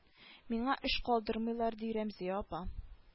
Миңа эш калдырмыйлар ди рәмзия апа